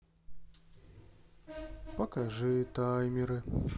покажи таймеры